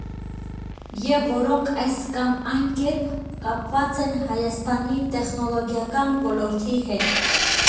Եվ որոնք այս կամ այն կերպ կապված են Հայաստանի տեխնոլոգիական ոլորտի հետ։